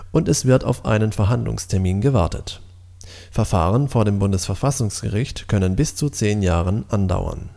und es wird auf einen Verhandlungstermin gewartet. Verfahren vor dem BVerfG können bis zu 10 Jahren andauern